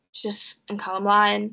jyst yn cael ymlaen.